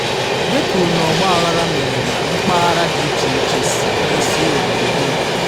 E kwuru na ọgbaghara mere na mpaghara dị iche iche n'isi obodo Guinea.